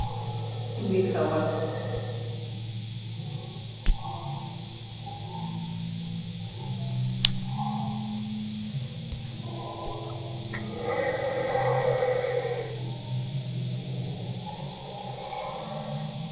Diwi kawaar